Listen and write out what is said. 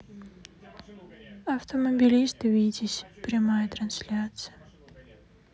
автомобилист витязь прямая трансляция